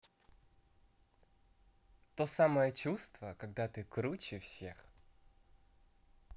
то самое чувство когда ты круче всех